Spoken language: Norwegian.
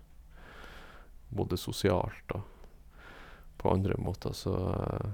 Både sosialt og på andre måter, så...